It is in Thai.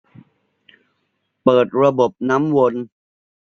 เปิดระบบน้ำวน